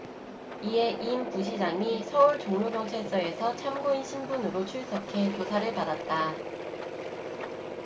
이에 임 부시장이 서울 종로경찰서에서 참고인 신분으로 출석해 조사를 받았다